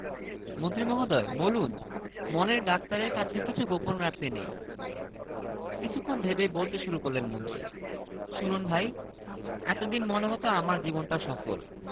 সাইকিয়াট্রিস্টের chamber পাগলের ডাক্তার হিসেবে একসময় অনেক খ্যাতি ছিল এই লোকের চেম্বারে সাইকিয়াট্রিস্ট ছাড়া আর কেউ নেই